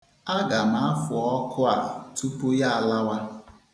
Aga m afụ ọkụ a tupu ya alawa.